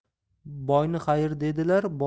boyni xayrh dedilar